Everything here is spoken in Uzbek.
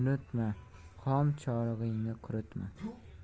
unutma xom chorig'ingni quritma